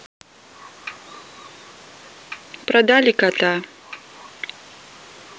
продали кота